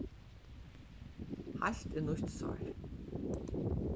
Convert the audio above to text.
heilt er nýtt sár